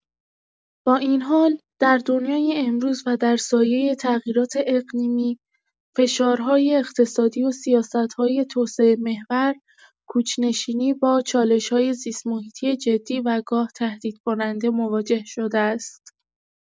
با این حال، در دنیای امروز و در سایه تغییرات اقلیمی، فشارهای اقتصادی و سیاست‌های توسعه‌محور، کوچ‌نشینی با چالش‌های زیست‌محیطی جدی و گاه تهدیدکننده مواجه شده است.